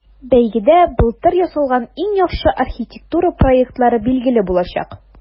Бәйгедә былтыр ясалган иң яхшы архитектура проектлары билгеле булачак.